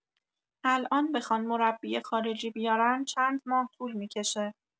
الان بخوان مربی خارجی بیارن چند ماه طول می‌کشه